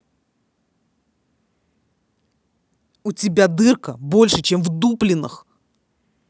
у тебя дырка больше чем в дуплинах